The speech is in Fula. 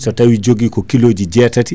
so tawi jogui ko kiloji jeetati